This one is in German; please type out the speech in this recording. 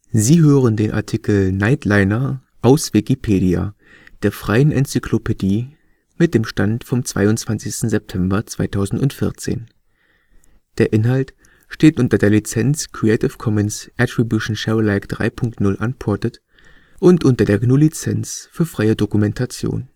Sie hören den Artikel Nightliner, aus Wikipedia, der freien Enzyklopädie. Mit dem Stand vom Der Inhalt steht unter der Lizenz Creative Commons Attribution Share Alike 3 Punkt 0 Unported und unter der GNU Lizenz für freie Dokumentation